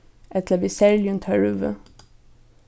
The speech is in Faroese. ella við serligum tørvi